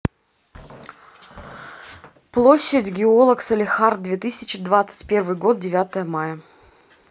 площадь геолог салехард две тысячи двадцать первый год девятое мая